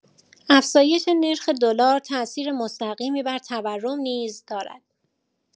افزایش نرخ دلار تاثیر مستقیمی بر تورم نیز دارد.